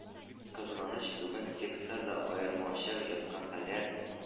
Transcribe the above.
Кызганыч, бүген текстларда – аермачык яткан хәлләр,